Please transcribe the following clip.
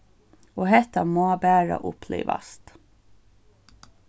og hetta má bara upplivast